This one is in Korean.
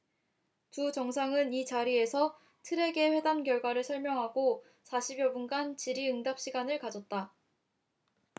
두 정상은 이 자리에서 들에게 회담 결과를 설명하고 사십 여분간 질의응답 시간을 가졌다